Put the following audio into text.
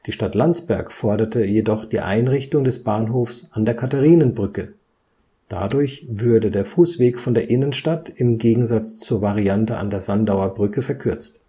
Stadt Landsberg forderte jedoch die Einrichtung des Bahnhofs an der Katharinenbrücke, dadurch würde der Fußweg von der Innenstadt im Gegensatz zur Variante an der Sandauer Brücke verkürzt